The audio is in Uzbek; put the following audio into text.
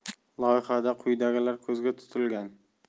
loyihada quyidagilar ko'zda tutilgan